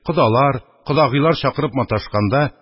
Кодалар, кодагыйлар чакырып маташканда,